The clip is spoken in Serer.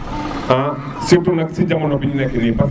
surtout nak si diamano biñu neek ni